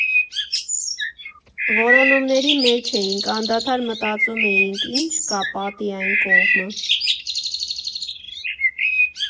Որոնումների մեջ էինք, անդադար մտածում էինք՝ ի՞նչ կա պատի այն կողմը։